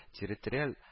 Территориаль